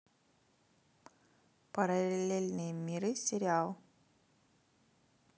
параллельные миры сериал